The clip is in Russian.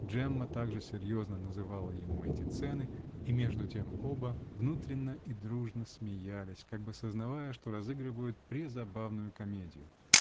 Джемма так же серьезно называла ему эти цены, и между тем оба внутренно и дружно смеялись, как бы сознавая, что разыгрывают презабавную комедию .